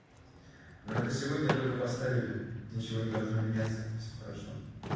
но это сегодня только поставили ничего не должно меняться все хорошо